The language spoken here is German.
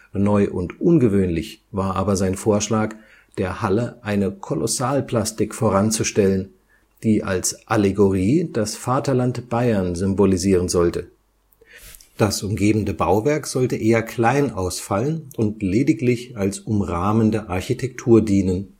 Neu und ungewöhnlich war aber sein Vorschlag, der Halle eine Kolossalplastik voranzustellen, die als Allegorie das Vaterland Bayern symbolisieren sollte. Das umgebende Bauwerk sollte eher klein ausfallen und lediglich als umrahmende Architektur dienen